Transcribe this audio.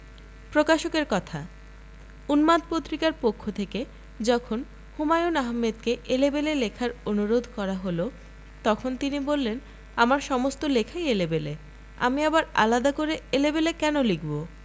প্রকাশকের কথা উন্মাদ পত্রিকার পক্ষথেকে যখন হুমায়ন আহমেদকে 'এলেবেলে লেখার অনুরোধে করা হল তখন তিনি বললেন আমার সমস্ত লেখাই এলেবেলে আমি আবার আলাদা করে এলেবেলে কেন লিখব